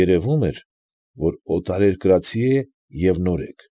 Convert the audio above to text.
Երևում էր, որ օտարերկրացի է և նորեկ։